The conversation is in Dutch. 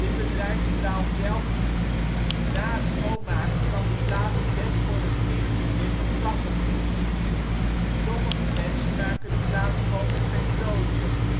bedrijf straalt zelf niet. Na het schoonmaken kan de plaat het best worden ingesmeerd met kachelpoets. Sommige mensen maken de plaat schoon met petroleum